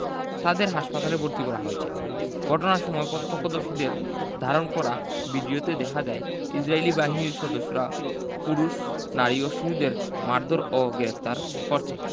তাদের হাসপাতালে ভর্তি করা হয়েছে ঘটনার সময় প্রত্যক্ষদর্শীদের ধারণ করা ভিডিওতে দেখা যায় ইসরাইলী বাহিনীর সদস্যরা পুরুষ নারী ও শিশুদের মারধোর ও গ্রেফতার করছে